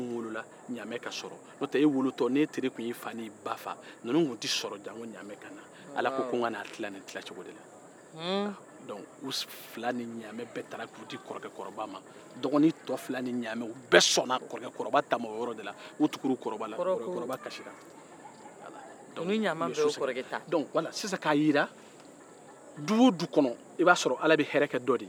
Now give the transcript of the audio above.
dɔnku u fila ni ɲaamɛ tara k'u di kɔrɔkɛ kɔrɔba ma dɔgɔnin tɔ fila ni ɲaamɛ bɛɛ sɔnna kɔrɔkɛ kɔrɔba te ma o yɔrɔ la dɔnku sisan k'a jira du o du kɔnɔ ala bɛ hɛɛrɛ ke dɔ de ye o bɛ se ka kɛ du lakare ye